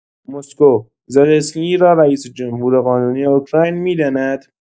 مسکو، زلنسکی را رئیس‌جمهور قانونی اوکراین می‌داند.